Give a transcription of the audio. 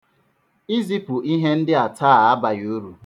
Izipụ ihe ndị a taa abaghị uru.